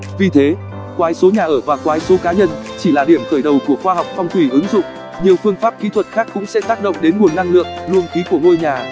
vì thế quái số nhà ở và quái số cá nhân chỉ là điểm khởi đầu của khoa học phong thủy ứng dụng nhiều phương pháp kỹ thuật khác cũng sẽ tác động đến nguồn năng lượng luồng khí của ngôi nhà